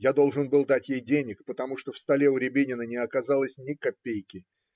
Я должен был дать ей денег, потому что в столе у Рябинина не оказалось ни копейки